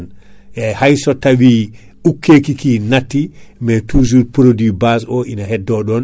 eyyi hay so tawi ukkeki natti mais toujours produit base o ɗon